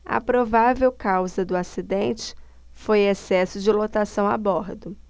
a provável causa do acidente foi excesso de lotação a bordo